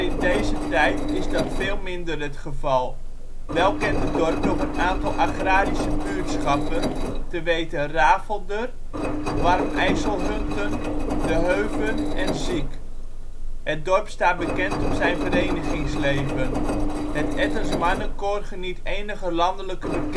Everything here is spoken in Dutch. deze tijd is dat veel minder het geval. Wel kent het dorp nog een aantal agrarische buurtschappen, te weten Rafelder, Warm, IJsselhunten, De Heuven en Ziek. Het dorp staat bekend om zijn verenigingsleven. Het Ettens Mannenkoor geniet enige landelijke